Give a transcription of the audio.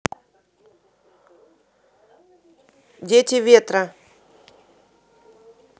дети ветра